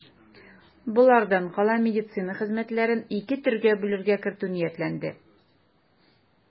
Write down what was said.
Болардан кала медицина хезмәтләрен ике төргә бүләргә кертү ниятләнде.